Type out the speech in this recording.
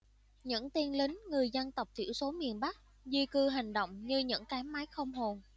những tên lính người dân tộc thiểu số miền bắc di cư hành động như những cái máy không hồn